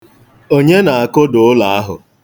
Onye na-akụda ụlọ ahụ?